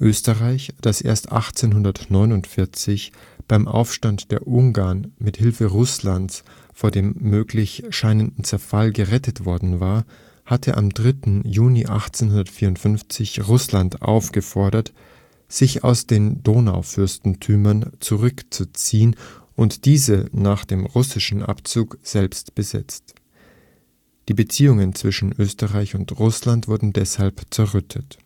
Österreich, das erst 1849 beim Aufstand der Ungarn mit Hilfe Russlands vor dem möglich scheinenden Zerfall gerettet worden war, hatte am 3. Juni 1854 Russland aufgefordert sich aus den Donaufürstentümern zurückzuziehen und diese nach dem russischen Abzug selbst besetzt. Die Beziehungen zwischen Österreich und Russland wurden deshalb zerrüttet